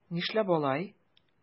Нишләп алай?